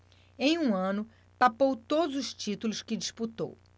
em um ano papou todos os títulos que disputou